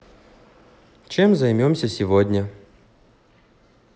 чем займемся сегодня